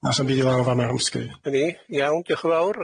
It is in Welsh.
Sa'm byd i lawr fama Ynni, iawn, dioch yn fawr.